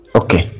O kɛlen